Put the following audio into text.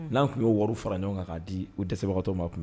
N'an tun y'o wariw fara ɲɔgɔn kan k'a di dɛsɛbagatɔw ma dun